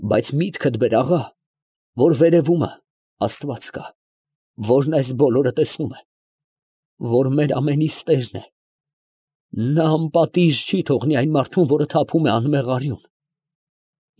Բայց միտքդ բեր, աղա, որ վերևումը աստված կա, որն այս բոլորը տեսնում է, որ մեր ամենիս տերն է. նա անպատիժ չի թողնի այն մարդուն, որը թափում է անմեղ արյուն։